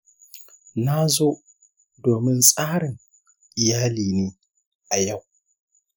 na zo domin tsarin iyali ne a yau.